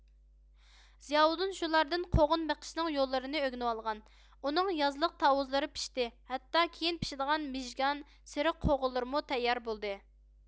زىياۋۇدۇن شۇلاردىن قوغۇن بېقىشنىڭ يوللىرىنى ئۆگىنىۋالغان ئۇنىڭ يازلىق تاۋۇزلىرى پىشتى ھەتتا كېيىن پىشىدىغان مىژگان سېرىق قوغۇنلىرىمۇ تەييار بولدى